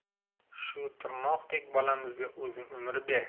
shu tirnoqdek bolamizga o'zing umr ber